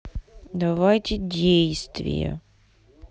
давайте действие